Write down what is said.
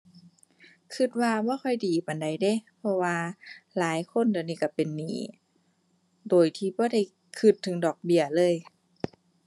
คิดว่าบ่ค่อยดีปานใดเดะ เพราะว่าหลายคนเดี๋ยวนี้คิดเป็นหนี้ โดยที่บ่ได้คิดถึงดอกเบี้ยเลย